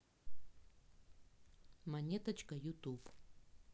монеточка ютуб